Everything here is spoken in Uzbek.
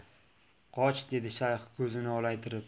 qoch dedi shayx ko'zini olaytirib